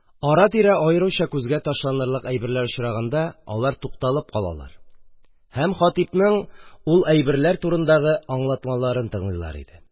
Ара-тирә, аеруча күзгә ташланырлык әйберләр очраганда, алар тукталып калалар һәм Хатипның ул әйберләр турындагы аңлатмаларын тыңлыйлар иде.